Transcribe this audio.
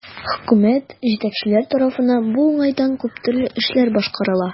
Хөкүмәт, җитәкчеләр тарафыннан бу уңайдан күп төрле эшләр башкарыла.